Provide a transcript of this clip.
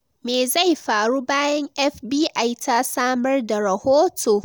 Me zai faru bayan FBI ta samar da rahoto?